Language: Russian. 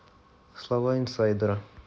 слова инсайдера